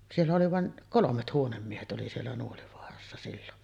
siellä oli vain kolmet huonemiehet oli siellä Nuolivaarassa silloin